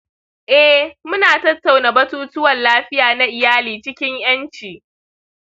eh, muna tattauna batutuwan lafiya na iyali cikin 'yanci.